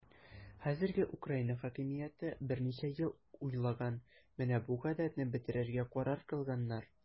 Хәзерге Украина хакимияте берничә ел уйлаган, менә бу гадәтне бетерергә карар кылганнар.